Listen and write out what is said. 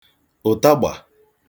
ụ̀tagbà